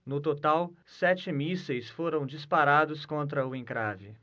no total sete mísseis foram disparados contra o encrave